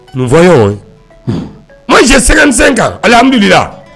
Nfɔ ma cɛ sɛgɛsen kan adu